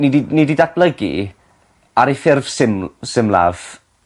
Ni 'di ni 'di datblygu ar ei ffurf syml- symlaf